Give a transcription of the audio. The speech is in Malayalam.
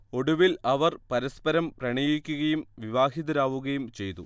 ഒടുവിൽ അവർ പരസ്പരം പ്രണയിക്കുകയും വിവാഹിതരാവുകയും ചെയ്തു